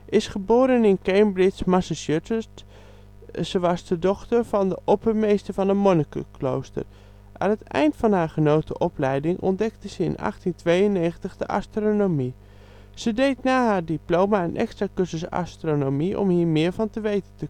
is geboren in Cambridge, Massachusetts. Ze was de dochter van de oppermeester van een monnikenklooster. Aan het eind van haar genoten opleidingen ontdekte ze in 1892 de astronomie. Ze deed na haar diploma een extra cursus astronomie om hier meer van te weten te komen